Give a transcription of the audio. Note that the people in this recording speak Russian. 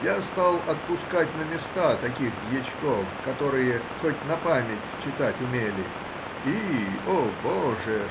я стал отпускать на места таких дьячков, которые хоть на память читать умели, и — о боже!